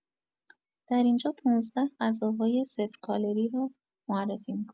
در اینجا ۱۵ غذاهای صفر کالری را معرفی می‌کنیم